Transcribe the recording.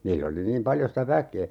niillä oli niin paljon sitä väkeä